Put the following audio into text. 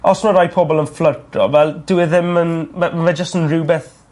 os ma' rai pobol yn fflyrto fel dyw e ddim yn ma- mae jyst yn rwbeth